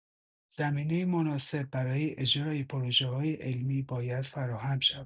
زمینه مناسب برای اجرای پروژه‌های علمی باید فراهم شود.